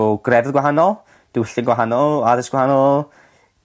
o grefydd gwahanol diwylliant gwahanol addysg gwahanol